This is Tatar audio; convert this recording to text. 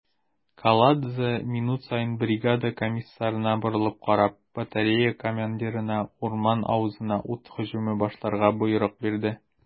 Каладзе, минут саен бригада комиссарына борылып карап, батарея командирына урман авызына ут һөҗүме башларга боерык бирде.